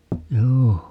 joo